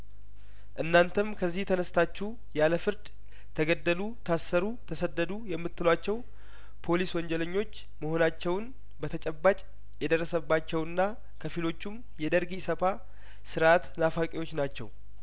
እናንተም ከዚህ ተነስታችሁ ያለፍርድ ተገደሉ ታሰሩ ተሰደዱ የምት ሏቸው ፖሊስ ወንጀለኞች መሆናቸውን በተጨባጭ የደረሰባቸውና ከፊሎቹም የደርግ ኢሰፓ ስርአት ናፋቂዎች ናቸው